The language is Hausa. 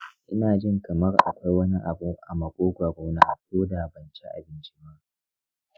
ina jin kamar akwai wani abu a maƙogwarona ko da ban ci abinci ba.